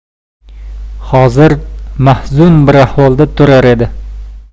xozir mahzun bir ahvolda turar edi